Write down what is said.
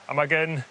a ma' gen